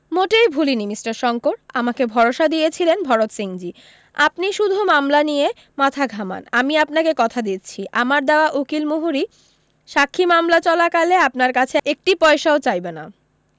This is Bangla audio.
মোটেই ভুলিনি মিষ্টার শংকর আমাকে ভরসা দিয়েছিলেন ভরত সিংজী আপনি শুধু মামলা নিয়ে মাথা ঘামান আমি আপনাকে কথা দিচ্ছি আমার দেওয়া উকিল মুহুরী সাক্ষী মামলা চলা কালে আপনার কাছে একটি পয়সা চাইবে না